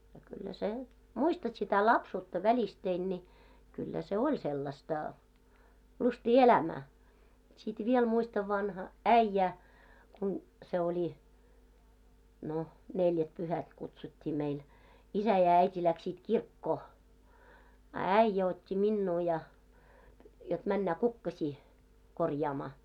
ja kyllä sen muistat sitä lapsuutta välisteen niin kyllä se oli sellaista lystiä elämää sitten vielä muistan vanha äijä kun se oli no neljätpyhät kutsuttiin meillä isä ja äiti lähtivät kirkkoon a äijä otti minua ja jotta mennä kukkasia korjaamaan